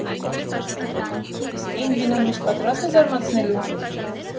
Իսկ Ին վինոն միշտ պատրաստ է զարմացնելու։